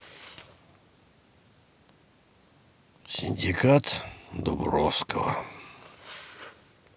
синдикат дубровского